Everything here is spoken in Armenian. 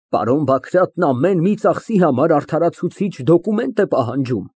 Պարոն Բագրատն ամեն մի ծախսի համար արդարացուցիչ դոկումենտ է պահանջում։